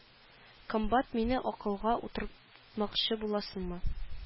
Комбат мине акылга утыртмакчы буласыңмы